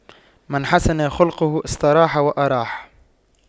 من حسن خُلُقُه استراح وأراح